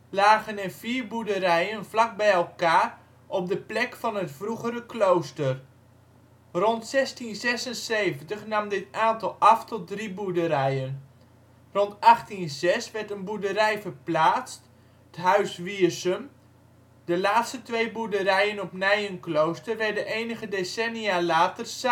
lagen er vier boerderijen vlak bij elkaar op de plek van het vroegere klooster. Rond 1676 nam dit aantal af tot drie boerderijen. Rond 1806 werd een boerderij verplaatst (' t huis Wiersum). De laatste twee boerderijen op Nijenklooster werden enige decennia later samengevoegd